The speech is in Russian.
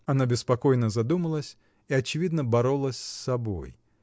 Она беспокойно задумалась и, очевидно, боролась с собой.